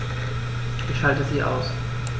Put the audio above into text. Ich schalte sie aus.